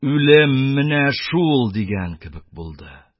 Үлем менә шул! - дигән кебек булды.